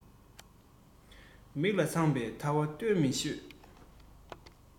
མིག ལ འཚངས པའི ཐལ བ འདོན མི ཤེས